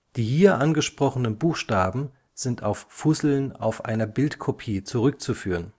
Die hier angesprochenen Buchstaben sind auf Fusseln auf einer Bildkopie zurückzuführen